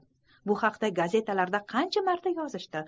bu haqda gazetalarda qancha marta yozishdi